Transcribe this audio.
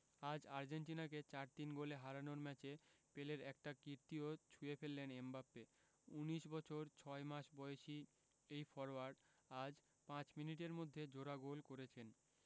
আজ আর্জেন্টিনাকে ৪ ৩ গোলে হারানোর ম্যাচে পেলের একটা কীর্তিও ছুঁয়ে ফেললেন এমবাপ্পে ১৯ বছর ৬ মাস বয়সী এই ফরোয়ার্ড আজ ৫ মিনিটের মধ্যে জোড়া গোল করেছেন